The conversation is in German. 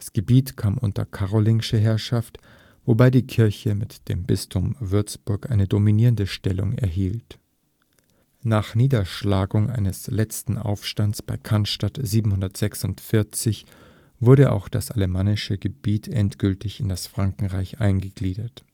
Gebiet kam unter karolingische Herrschaft, wobei die Kirche mit dem Bistum Würzburg eine dominierende Stellung erhielt. Nach Niederschlagung eines letzten Aufstands bei Cannstatt 746 wurde auch das alemannische Gebiet endgültig in das Frankenreich eingegliedert